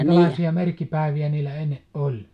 minkälaisia merkkipäiviä niillä ennen oli